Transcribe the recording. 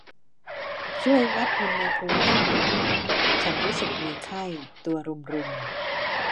ช่วยวัดอุณหภูมิให้หน่อยฉันรู้สึกมีไข้ตัวรุมรุม